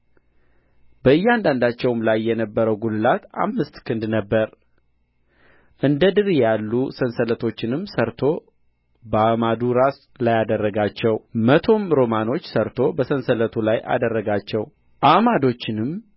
በእያንዳንዳቸውም ላይ የነበረው ጕልላት አምስት ክንድ ነበረ እንደ ድሪ ያሉ ሰንሰለቶችንም ሠርቶ በአዕማዱ ራስ ላይ አደረጋቸው መቶም ሮማኖች ሠርቶ በሰንሰለቱ ላይ አደረጋቸው አዕማዶቹንም